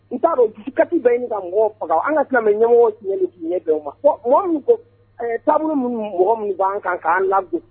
N t'a dɔn dusukati bɛ in ka mɔgɔ faga an ka tɛmɛmɛ ɲɛmɔgɔ tiɲɛ ni denw ma mɔgɔ ko taabolo minnu mɔgɔ minnu b'an kan k'an labɛn